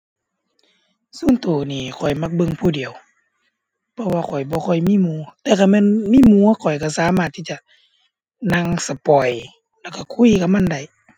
ส่วนตัวนี่ข้อยมักเบิ่งผู้เดียว เพราะว่าข้อยบ่ค่อยมีหมู่ แต่คันแม่นมีหมู่ข้อยตัวสามารถที่จะนั่งสปอยล์แล้วตัวคุยกับมันได้